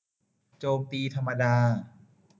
โจมตีธรรมดา